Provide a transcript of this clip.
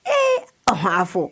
Ee aha fo